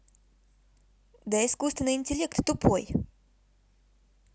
да искусственный интеллект тупой